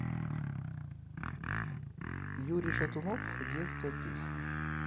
юрий шатунов детство песня